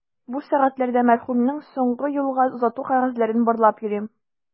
Бу сәгатьләрдә мәрхүмнең соңгы юлга озату кәгазьләрен барлап йөрим.